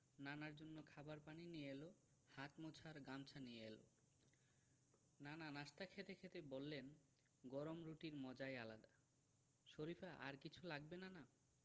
নানার জন্য খাবার পানি নিয়ে এলো হাত মোছার গামছা নিয়ে এলো নানা নাশতা খেতে খেতে বললেন গরম রুটির মজাই আলাদা শরিফা আর কিছু লাগবে নানা